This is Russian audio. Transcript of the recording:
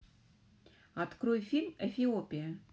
открой фильтр эфиопия